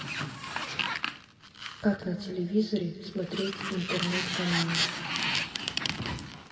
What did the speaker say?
как на телевизоре смотреть интернет каналы